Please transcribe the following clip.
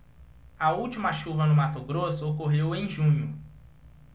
a última chuva no mato grosso ocorreu em junho